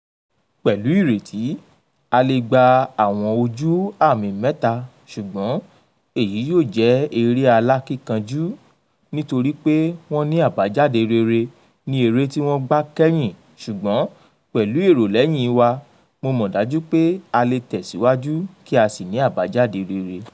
Pẹ̀lú ìrètí, a lè gba àwọn ojú àmì mẹ́ta ṣùgbọ́n èyí yóò jẹ́ eré alákínkanjú nítorí pé wọ́n ní àbájáde rere ní eré tí wọ́n gbá kẹhìn ṣùgbọ́n, pẹ́lù èrò lẹ́hìn wa, Mo mọ̀ dájú pé a lè tẹ̀síwájú kí a sì ní àbájáde rere.